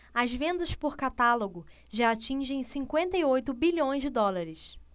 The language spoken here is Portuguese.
as vendas por catálogo já atingem cinquenta e oito bilhões de dólares